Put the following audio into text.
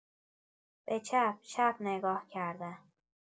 به چپ‌چپ نگاه‌کردن